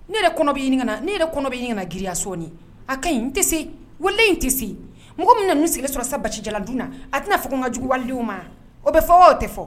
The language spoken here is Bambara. Ne yɛrɛ kɔnɔ bɛ ɲini ka na, ne yɛrɛ kɔnɔ bɛ ɲini ka na girinya sɔɔnin, a ka ɲi n tɛ se, walahi n tɛ se, mɔgɔ min mana ninnu sigilen sɔrɔ sisan basijalandun na, a tɛn'a fɔ ko n ka jugu walidenw ma, o bɛ fɔ wa o tɛ fɔ